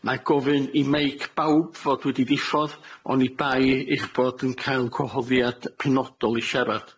Mae gofyn i meic bawb fod wedi ddiffodd oni bai 'ich bod yn cael gwahoddiad penodol i siarad.